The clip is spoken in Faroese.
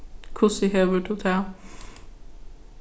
hvussu hevur tú tað